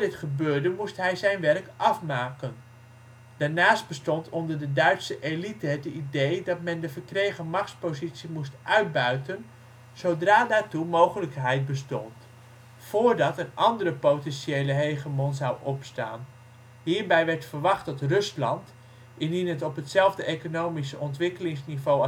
gebeurde moest hij ' zijn werk afmaken '. Daarnaast bestond onder de Duitse elite het idee dat men de verkregen machtspositie moest uitbuiten zodra daartoe de mogelijkheid bestond, voordat een andere potentiële hegemon zou opstaan. Hierbij werd verwacht dat Rusland, indien het op hetzelfde economische ontwikkelingsniveau